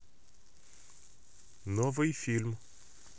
новый фильм